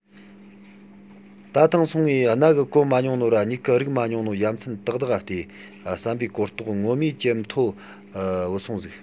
ད ཐེངས སོང ངས རྣ གིས གོ མ མྱོང ནོ ར མྱིག གིས རིག མ མྱོང ནོ ཡ མཚན དག དག ག བལྟས བསམ པའི གོ རྟོགས ངོ མས ཇེ མཐོ འ བུད སོང ཟིག